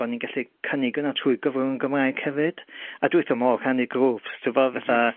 bo' ni'n gallu cynnig wnna trwy gyfrwng y Gymraeg hefyd. A dwi wrth fy modd rhannu grŵps t'bo' fatha